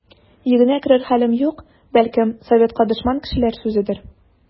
Йөгенә керер хәлем юк, бәлкем, советка дошман кешеләр сүзедер.